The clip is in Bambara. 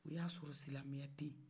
o y'a sɔrɔ silamɛya tɛ yen